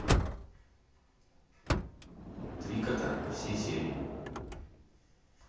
три кота все серии